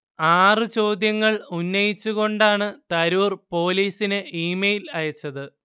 ആറ് ചോദ്യങ്ങൾ ഉന്നയിച്ചുകൊണ്ടാണ് തരൂർ പൊലീസിന് ഇമെയ്ൽ അയച്ചത്